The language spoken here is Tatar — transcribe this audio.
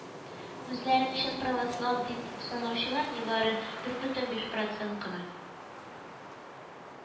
Үзләрен чын Праваслау дип санаучылар нибары дүрт бөтен биш процент кына